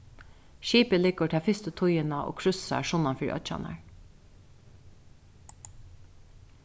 skipið liggur tað fyrstu tíðina og krússar sunnan fyri oyggjarnar